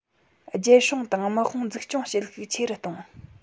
རྒྱལ སྲུང དང དམག དཔུང འཛུགས སྐྱོང བྱེད ཤུགས ཆེ རུ གཏོང